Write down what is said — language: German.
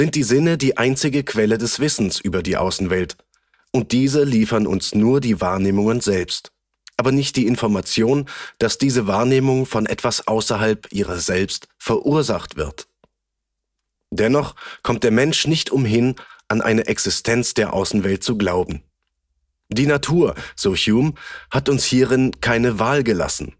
die Sinne die einzige Quelle des Wissens über die Außenwelt und diese liefern uns nur die Wahrnehmung selbst, aber nicht die Information, dass diese Wahrnehmung von etwas außerhalb ihrer selbst verursacht wird. Dennoch kommt der Mensch nicht umhin, an die Existenz der Außenwelt zu glauben. Die Natur, so Hume, hat uns hierin keine Wahl gelassen